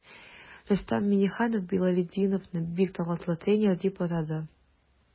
Рөстәм Миңнеханов Билалетдиновны бик талантлы тренер дип атады.